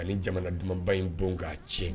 Ani ni jamana dumanba in don k'a tiɲɛ